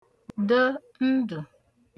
də̣ ndụ̀